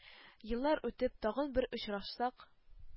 Еллар үтеп, тагын бер очрашсак,